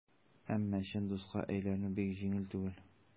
Әмма чын дуска әйләнү бик җиңел түгел.